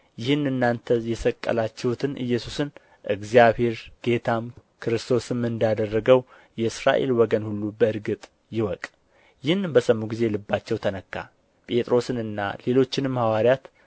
ይህን እናንተ የሰቀላችሁትን ኢየሱስን እግዚአብሔር ጌታም ክርስቶስም እንዳደረገው የእስራኤል ወገን ሁሉ በእርግጥ ይወቅ ይህንም በሰሙ ጊዜ ልባቸው ተነካ ጴጥሮስንና ሌሎችንም ሐዋርያት